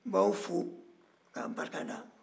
n b'aw fo k'aw barika da